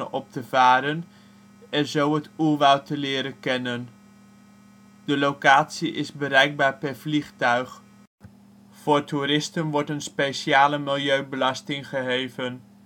op te varen en zo het oerwoud te leren kennen. De locatie is bereikbaar per vliegtuig. Voor toeristen wordt een speciale milieubelasting geheven